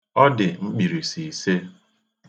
Ọ dị mkpirisi ise.